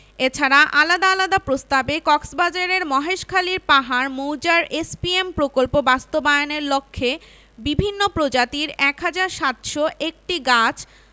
এছাড়া আলাদা আলাদা প্রস্তাবে কক্সবাজারের মহেশখালীর পাহাড় মৌজার এসপিএম প্রকল্প বাস্তবায়নের লক্ষ্যে বিভিন্ন প্রজাতির ১ হাজার ৭০১টি গাছ